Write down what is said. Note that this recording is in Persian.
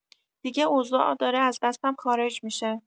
دیگه اوضاع داره از دستم خارج می‌شه.